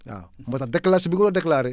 waaw moo tax déclaration bi nga war a déclaré